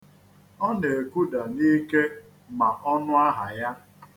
Ọ na-ekuda n'ike ma ọ nụ aha ya.